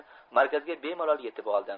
markazga bemalol yetib oldim